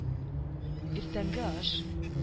Иртәнге аш